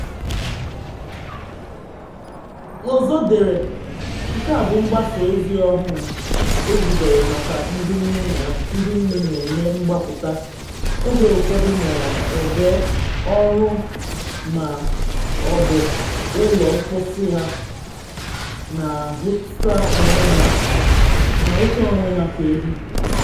Ọzọ dere: “Nke a bụ mgbasa ozi ọhụụ ezubere maka ndi nne na eme mgbapụta (oge ụfọdụ n’ebe ọrụ ma ọ bụ ụlọ mposi ha) na ahụta onwe ha ka “ehi.”